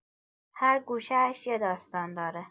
هر گوشه‌اش یه داستان داره.